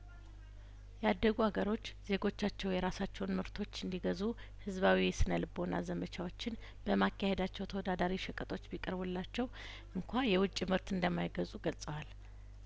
ያደጉ አገሮች ዜጐቻቸው የራሳቸውን ምርቶች እንዲገዙ ህዝባዊ የስነ ልቦና ዘመቻዎችን በማካሄዳቸው ተወዳዳሪ ሸቀጦች ቢቀርቡላቸው እንኳ የውጭ ምርት እንደማይገዙ ገልጸዋል